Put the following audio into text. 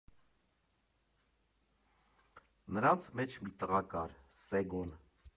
Նրանց մեջ մի տղա կար՝ Սեգոն։